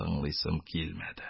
Тыңлыйсым килмәде...